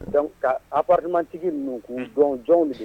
Dɔnku ka aprmantigi ninnuu jɔn jɔn de tigɛ